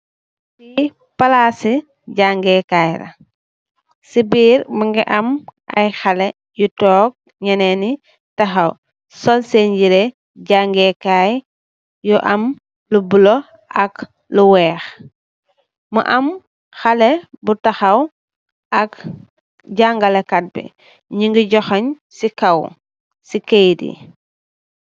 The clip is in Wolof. Lii palaas i jaangee kaay la, si biir, mu ngi am ñu toog ñenen ñii tax sol seen yiree jangee KAAY yu bulo ak yu weex, mu am xalé bu taxaw ak jàngale kat bi ñu joxoñge